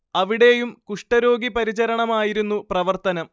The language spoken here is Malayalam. അവിടേയും കുഷ്ഠരോഗി പരിചരണമായിരുന്നു പ്രവർത്തനം